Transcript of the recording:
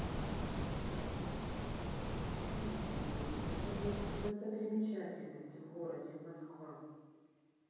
какие есть достопримечательности в городе москва